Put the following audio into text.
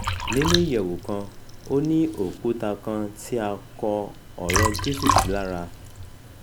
Nínú ìyẹ̀wù kan, ó ní òkúta kan tí a kọ ọ̀rọ̀ọ Jésù sí lára.